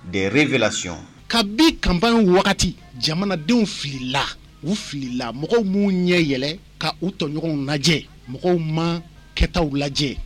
Deree v ka bi kanban wagati jamanadenw fili u fili mɔgɔw minnu ɲɛ yɛlɛ ka u tɔɲɔgɔnw lajɛ mɔgɔw ma kɛtaw lajɛ